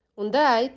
unda ayt